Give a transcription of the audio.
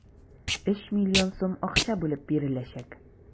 3 млн сум акча бүлеп биреләчәк.